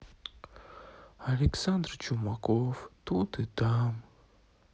александр чумаков тут и там